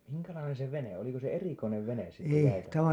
minkälainen se vene oliko se erikoinen vene siinä jääreissussa